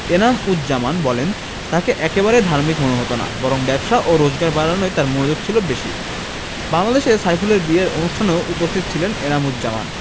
এনাম উজজামান বলেন তাঁকে একেবারেই ধার্মিক মনে হতো না বরং ব্যবসা ও রোজগার বাড়ানোই তাঁর মনোযোগ ছিল বেশি বাংলাদেশে সাইফুলের বিয়ের অনুষ্ঠানেও উপস্থিত ছিলেন এনাম উজজামান